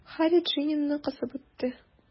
Һарри Джиннины кысып үпте.